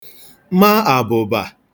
ma àbụ̀bà